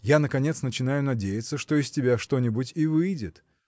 Я, наконец, начинаю надеяться, что из тебя что-нибудь и выйдет